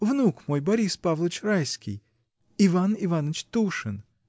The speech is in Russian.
Внук мой, Борис Павлыч Райский — Иван Иваныч Тушин!.